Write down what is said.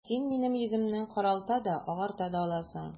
Син минем йөземне каралта да, агарта да аласың...